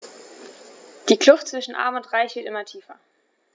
Die Kluft zwischen Arm und Reich wird immer tiefer.